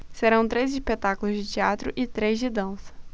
serão três espetáculos de teatro e três de dança